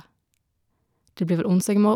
Det blir vel onsdag i morgen.